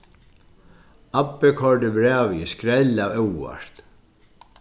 abbi koyrdi brævið í skrell av óvart